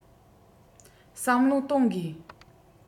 བསམ བློ གཏོང དགོས